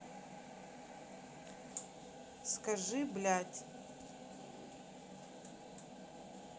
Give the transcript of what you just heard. скажи блять